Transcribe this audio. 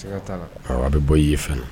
A bɛ bɔ i y' ye fana